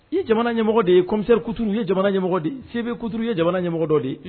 I jamana ɲɛmɔgɔ de ye commiri kutu ye jamana ɲɛmɔgɔ de sebe kutu ye jamanamɔgɔ de ye